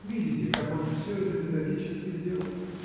Видите, как он все это методически сделал?